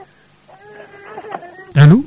alo